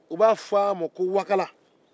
u b'a fɔ a man ko wakala